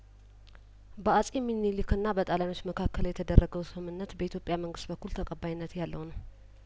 በአጼ ሚንሊክ እና በጣሊያኖች መካከል የተደረገ ስምምነት በኢትዮጵያ መንግስት በኩል ተቀባይነት ያለው ነው